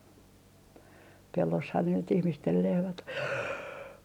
pellossahan ne nyt ihmisten lehmät on